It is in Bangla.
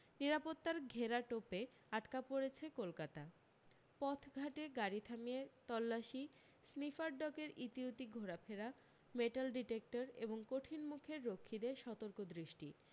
নিরাপত্তার ঘেরাটোপে আটকা পড়েছে কলকাতা পথঘাটে গাড়ী থামিয়ে তল্লাশি স্নিফার ডগের ইতিউতি ঘোরাফেরা মেটাল ডিটেক্টর এবং কঠিন মুখের রক্ষীদের সতর্ক দৃষ্টি